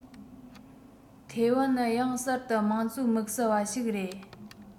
ཐའེ ཝན ནི ཡང གསར དུ དམངས གཙོའི དམིགས བསལ བ ཞིག རེད